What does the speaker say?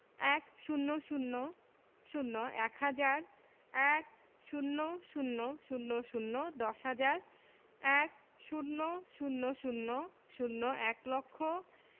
১০০০ – এক হাজার ১০০০০ দশ হাজার ১০০০০০ এক লক্ষ